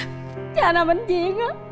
cha nằm bệnh viện á